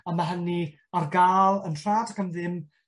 ...a ma' hynny ar ga'l yn rhad ac am ddim